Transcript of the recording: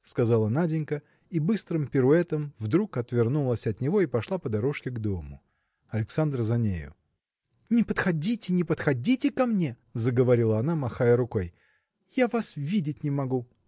– сказала Наденька и быстрым пируэтом вдруг отвернулась от него и пошла по дорожке к дому. Александр за нею. – Не подходите не подходите ко мне – заговорила она махая рукой – я вас видеть не могу.